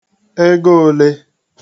egoolē